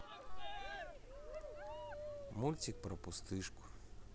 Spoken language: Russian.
мультик про пустышку